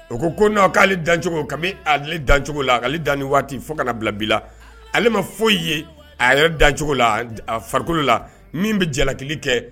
O ko' k ko'ale dancogo ka bɛ ali dancogo la ale dan ni waati fo kana na bila bi la ale ma foyi ye a yɛrɛ dan cogo la a farikolo la min bɛ jalaki kɛ